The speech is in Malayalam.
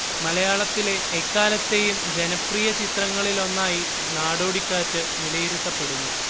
മലയാളത്തിലെ എക്കാലത്തെയും ജനപ്രിയ ചിത്രങ്ങളിലൊന്നായി നടോടിക്കാറ്റ് വിലയിരുത്തപ്പെടുന്നു